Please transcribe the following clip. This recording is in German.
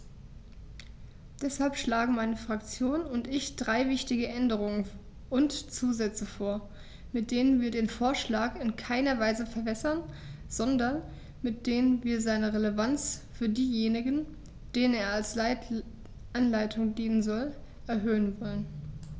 Deshalb schlagen meine Fraktion und ich drei wichtige Änderungen und Zusätze vor, mit denen wir den Vorschlag in keiner Weise verwässern, sondern mit denen wir seine Relevanz für diejenigen, denen er als Anleitung dienen soll, erhöhen wollen.